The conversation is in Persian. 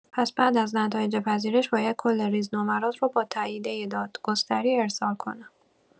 پس بعد از نتایج پذیرش باید کل ریزنمرات رو با تاییدیه دادگستری ارسال کنم؟